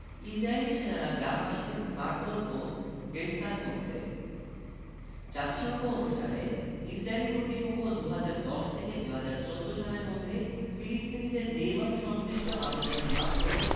ইসরাইলী সেনারা গ্রামবাসীদের মারধোর ও গ্রেফতার করছে জাতিসংঘ অনুসারে ইসরাইলি কর্তৃপক্ষ ২০১০ থেকে ২০১৪ সালের মধ্যে ফিলিস্তিনিদের নির্মাণ সংশ্লিষ্ট আবেদনের মাত্র